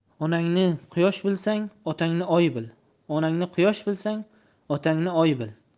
onangni quyosh bilsang otangni oy bil